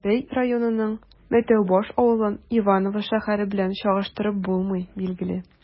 Бәләбәй районының Мәтәүбаш авылын Иваново шәһәре белән чагыштырып булмый, билгеле.